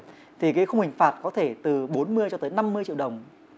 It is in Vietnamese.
thì cái khung hình phạt có thể từ bốn mươi cho tới năm mươi triệu đồng